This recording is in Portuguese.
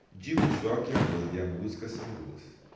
digo só que a banda e a música são boas